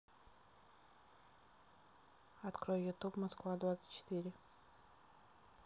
открой ютуб москва двадцать четыре